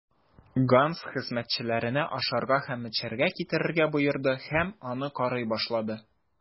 Ганс хезмәтчеләренә ашарга һәм эчәргә китерергә боерды һәм аны карый башлады.